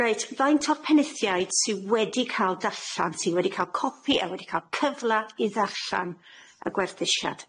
Reit faint o'r pennaethiaid sy' wedi ca'l darllan sy' wedi ca'l copi a wedi ca'l cyfla i ddarllan y gwerthusiad?